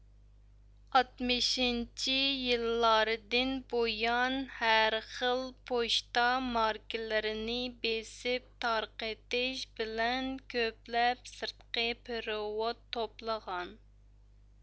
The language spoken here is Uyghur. ئاتمىشىنچى يىللاردىن بۇيان ھەرخىل پوچتا ماركىلىرىنى بېسىپ تارقىتىش بىلەن كۆپلەپ سىرتقى پېرېۋوت توپلىغان